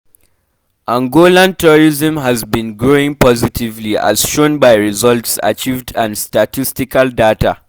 Angolan tourism has been growing positively, as shown by results achieved and statistical data.